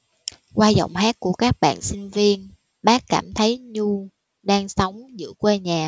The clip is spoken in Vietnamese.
qua giọng hát của các bạn sinh viên bác cảm thấy nhu đang sống giữa quê nhà